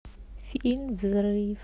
фильм взрыв